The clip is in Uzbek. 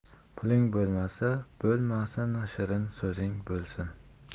puling bo'lmasa bo'lmasin shirin so'zing bo'lsin